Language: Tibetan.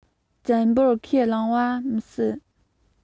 བཙན པོར ཁས བླངས པ མི སྲིད